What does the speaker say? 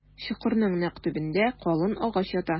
Чокырның нәкъ төбендә калын агач ята.